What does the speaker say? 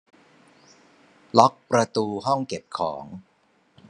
ล็อกประตูห้องเก็บของ